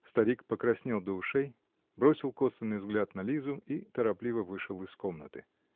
Старик покраснел до ушей, бросил косвенный взгляд на Лизу и торопливо вышел из комнаты.